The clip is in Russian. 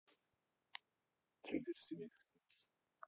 трейлер семейка крудс